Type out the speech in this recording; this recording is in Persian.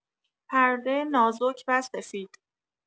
پرده نازک و سفید